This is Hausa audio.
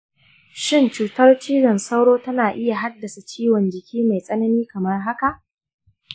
shin cutar cizon sauro tana iya haddasa ciwon jiki mai tsanani kamar haka?